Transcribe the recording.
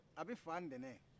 a bɛ faga n'tɛnɛn